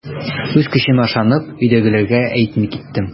Үз көчемә ышанып, өйдәгеләргә әйтми киттем.